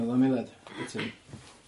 ...o'dd o am eiliad. O' ti?